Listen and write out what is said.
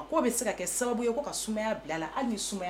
K ko bɛ se ka kɛ sababu ye k' ka sumayaya bila la hali nisumaya